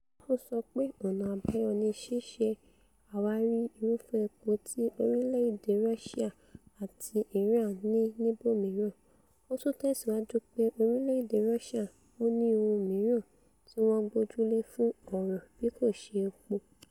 “Ó sọ pe ọ̀nà àbáyọ ni ṣíṣe àwárí irúfẹ́ epo tí orílẹ̀ èdè Russia àti Iran ní níbòmíràn. Ó tún tẹ̀síwájú pé orílẹ̀èdè Russia ò ní ohun mìíràn tí wọ́n gbójúlé fún ọrọ̀ bí kò ṣe epo.